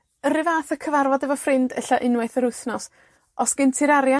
Yr un fath â cyfarfod efo ffrind ella unwaith yr wythnos. Os gen ti'r arian fedri